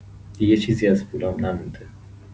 دیگه چیزی از پولام نمونده.